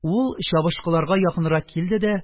Ул чабышкыларга якынрак килде дә: